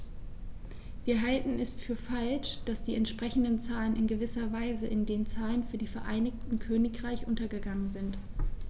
Wir halten es für falsch, dass die entsprechenden Zahlen in gewisser Weise in den Zahlen für das Vereinigte Königreich untergegangen sind.